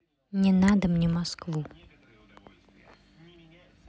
не надо мне москву